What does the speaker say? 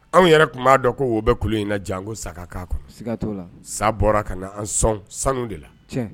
Anw yɛrɛ tun b'a dɔn ko o bɛɛ kulu in na jan ko sa kan kɔnɔ sa bɔra ka na an sɔn sanu de la